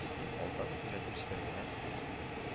Дип алдан ук өйрәтеп җибәргәннәр иде үземне